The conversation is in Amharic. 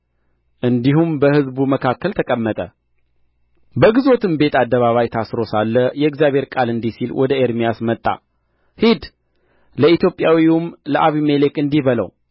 እንዲህም በሕዝብ መካከል ተቀመጠ በግዞትም ቤት አደባባይ ታስሮ ሳለ የእግዚአብሔር ቃል እንዲህ ሲል ወደ ኤርምያስ መጣ ሂድ ለኢትዮጵያዊውም ለአቤሜሌክ እንዲህ በለው